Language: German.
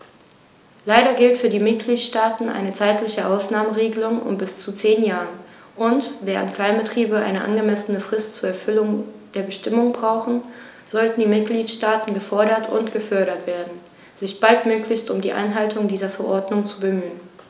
Leider gilt für die Mitgliedstaaten eine zeitliche Ausnahmeregelung von bis zu zehn Jahren, und, während Kleinbetriebe eine angemessene Frist zur Erfüllung der Bestimmungen brauchen, sollten die Mitgliedstaaten gefordert und gefördert werden, sich baldmöglichst um die Einhaltung dieser Verordnung zu bemühen.